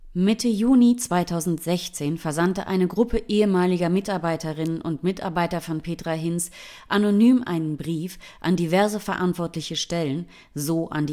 Mitte Juni 2016 versandte eine „ Gruppe ehemaliger Mitarbeiterinnen und Mitarbeiter von Petra Hinz “anonym einen Brief an diverse verantwortliche Stellen, so an